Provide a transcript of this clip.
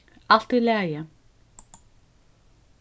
alt í lagi